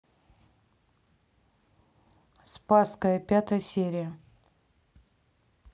спасская пятая серия